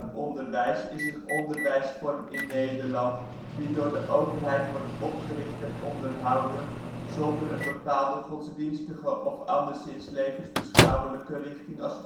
onderwijsvorm in Nederland die door de overheid wordt opgericht en onderhouden, zonder een bepaalde godsdienstige of anderszins levensbeschouwelijke richting als